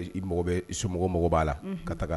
I mago bɛ i somɔgɔw ba la ka ta ka